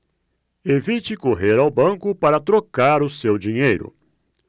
evite correr ao banco para trocar o seu dinheiro